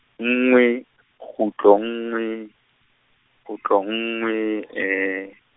nngwe, kgutlo nngwe, kgutlo nngwe .